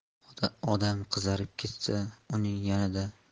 odam qizarib ketsa